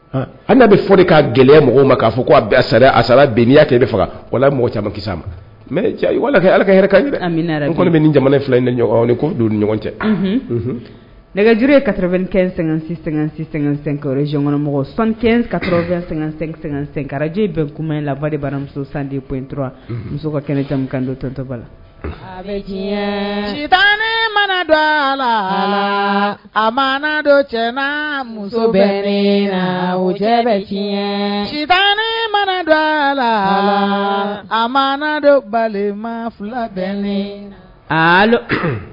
Ala bɛ fɔ ka gɛlɛya mɔgɔ ma k'a fɔ k ko a bɛɛ sariya a sara bɛnya kɛ de faga wala la mɔgɔ caman kisisa ma mɛ' kɛ ala ka minɛ kɔni bɛ ni jamana in fila in ni ɲɔgɔn ko don ni ɲɔgɔn cɛ nɛgɛjre ye ka tarawele2 kɛɛn sɛgɛn-sɛ-sɛsɛn zyɔnkɔnɔmɔgɔ sanɛn ka2- sɛgɛn-sɛsɛnkarajɛ bɛ kuma in la ba baramuso san de ko in tora muso ka kɛnɛja kando tɔtɔba lata mana dala la a ma dɔ cɛ muso bɛ la mana dala la a ma dɔ balima fila bɛ hali